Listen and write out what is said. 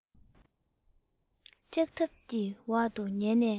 ལྕགས ཐབ ཀྱི འོག ཏུ ཉལ ནས